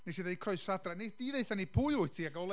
wnes i ddweud croeso adra, wnei di ddeutha ni, pwy wyt ti, ac o le...